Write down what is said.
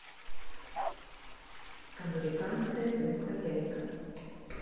американская домохозяйка